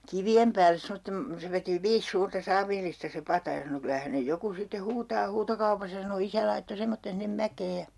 ja kivien päälle semmoisen se veti viisi suurta saavillista se pata ja sanoi kyllä hänen joku sitten huutaa huutokaupassa sanoi isä laittoi semmoisen sinne mäkeen ja